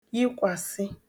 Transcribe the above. yikwàsị